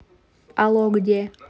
алло где